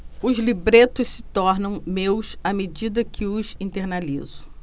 os libretos se tornam meus à medida que os internalizo